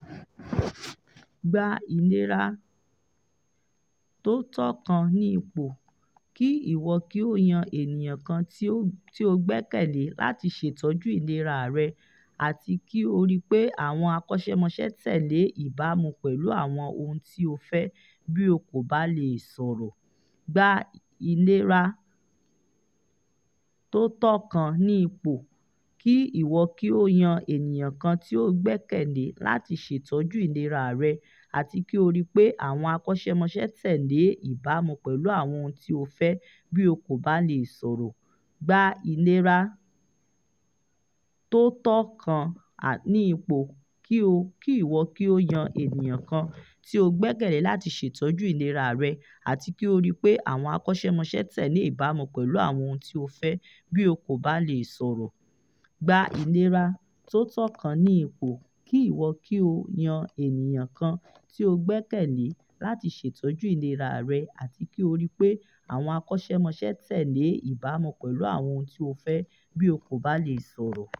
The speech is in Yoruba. Gba ìlera tótọ́ kan ní ipò kí ìwọ kí o yan ènìyàn kan tí o gbẹ́kẹ̀lé láti ṣètọ́jú ìlera rẹ àti kí o ri pé àwọn akọ́ṣẹ́mọṣẹ́ tẹ̀lé e ìbamu pẹ̀lú àwọn ohun tí o fẹ́ bí o kò bá lẹ̀ sòrò.